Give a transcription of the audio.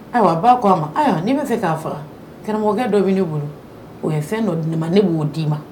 Ayiwa ba k'a ma, bɛ, n'i bɛ fɛ k'a faga , karamɔgɔkɛ dɔ bɛ ne bolo , o ye fɛn dɔ di ne ma ne b'o d'i ma.